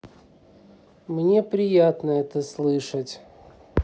мне приятно это слышать